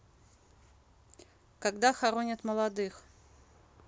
когда хоронят молодых